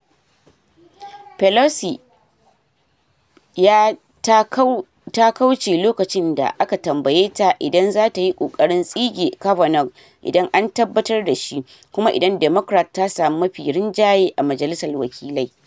Pelosi ya ta kauce lokacin da aka tambaye ta idan za ta yi kokarin tsige Kavanaugh idan an tabbatar da shi, kuma idan Democrat ta sami mafi rinjaye a majalisar wakilai.